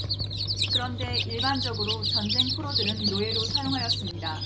그런데 일반적으로 전쟁 포로들을 노예로 사용하였습니다